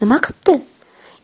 nima qipti